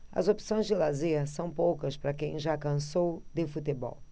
as opções de lazer são poucas para quem já cansou de futebol